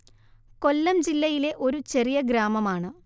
കൊല്ലം ജില്ലയിലെ ഒരു ചെറിയ ഗ്രാമമാണ്